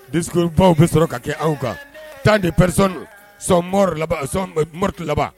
De baw bɛ sɔrɔ ka kɛ anw kan tan de pɛrez san m labanɔriti laban